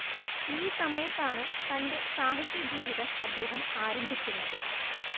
ഈ സമയത്താണ് തന്റെ സാഹിത്യ ജീവിതം അദ്ദേഹം ആരംഭിക്കുന്നത്